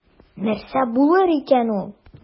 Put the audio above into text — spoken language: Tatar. Нәрсә булыр икән ул?